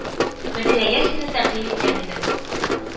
Мөдирәгә сине тәкъдим иткән идем